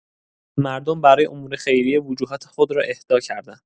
مردم برای امور خیریه وجوهات خود را اهدا کردند.